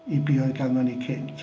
I be oedd ganddo ni cynt.